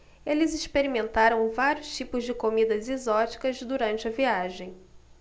eles experimentaram vários tipos de comidas exóticas durante a viagem